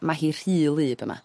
Ma' hi rhu wlyb yma.